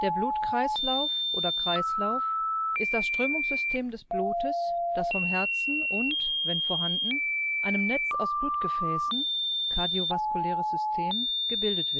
Blutkreislauf oder Kreislauf ist das Strömungssystem des Blutes, das vom Herzen und, wenn vorhanden, einem Netz aus Blutgefäßen (kardiovaskuläres System) gebildet